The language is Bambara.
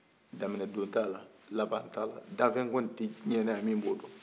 daminɛ don t'a la laban t'a la danfɛn koni tɛ diɲɛ na min b'o dɔn